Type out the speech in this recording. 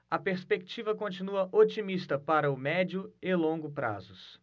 a perspectiva continua otimista para o médio e longo prazos